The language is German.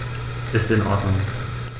Ist in Ordnung.